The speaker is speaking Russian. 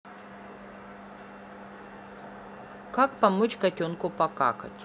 как помочь котенку покакать